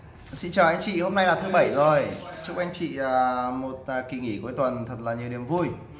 xin chào anh chị hôm nay là thứ rồi chúc anh chị một kỳ nghỉ cuối tuần thật nhiều niềm vui